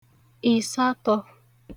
ị̀satọ̄